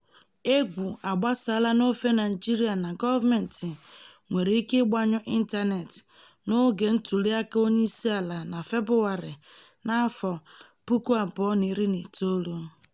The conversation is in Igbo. Égwù agbasaala n'ofe Naịjirịa na gọọmentị nwere ike ịgbanyụ ịntaneetị n'oge ntụliaka onyeisiala na Febụwarị 2019.